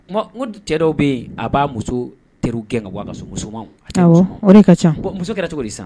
N ko, n ko cɛ dɔw bɛ yen a b'a muso teriw gɛn ka bɔ a ka so musomanw. Awɔ o de ka ca. Bon muso bɛ kɛ cogo di sisan?